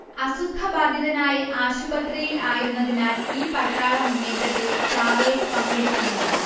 അസുഖബാധിതനായി ആശുപത്രിയിൽ ആയിരുന്നതിനാൽ ഈ പട്ടാളമുന്നേറ്റത്തിൽ ചാവേസ് പങ്കെടുത്തിരുന്നില്ല